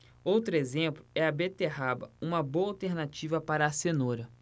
outro exemplo é a beterraba uma boa alternativa para a cenoura